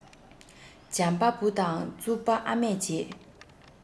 འཇམ པ བུ དང རྩུབ པ ཨ མས བྱེད